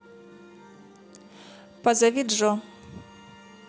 позови джо